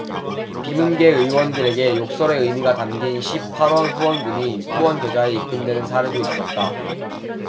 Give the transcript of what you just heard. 비문계 의원들에게 욕설의 의미가 담긴 십 팔 원 후원금이 후원 계좌에 입금되는 사례도 있었다